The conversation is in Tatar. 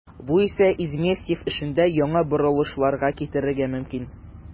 Бу исә Изместьев эшендә яңа борылышларга китерергә мөмкин.